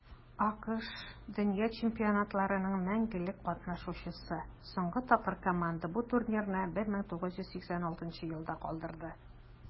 АКШ - дөнья чемпионатларының мәңгелек катнашучысы; соңгы тапкыр команда бу турнирны 1986 елда калдырды.